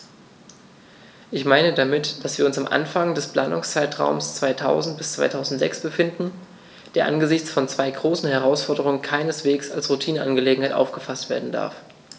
Ich meine damit, dass wir uns am Anfang des Planungszeitraums 2000-2006 befinden, der angesichts von zwei großen Herausforderungen keineswegs als Routineangelegenheit aufgefaßt werden darf.